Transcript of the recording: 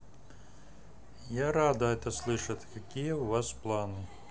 я рада это слышать какие у вас планы